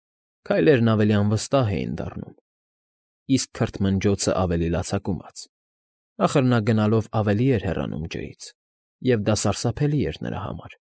Քայլերն ավելի անվստահ էին դառնում, իսկ քրթմնջոցն ավելի լացակումած. ախր նա գնալով ավելի էր հեռանում ջրից, և դա սարսափելի էր նրա համար։